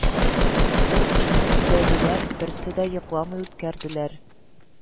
Ул көнне өйдәгеләр берседә йокламый үткәрделәр